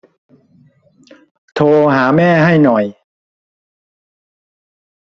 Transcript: โทรหาแม่ให้หน่อย